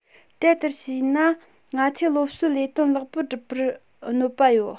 དེ ལྟར བྱས ན ང ཚོས སློབ གསོའི ལས དོན ལེགས པོར སྒྲུབ པར གནོད པ ཡོད